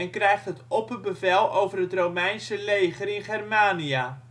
krijgt het opperbevel over het Romeinse leger in Germania